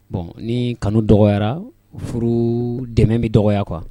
Bɔn ni kanu dɔgɔyarayara furu dɛmɛ bɛ dɔgɔya kuwa